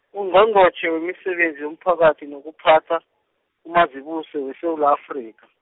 Ungqongqotjhe wemisebenzi yomphakathi nokuphatha, uMazibuse weSewula Afrika.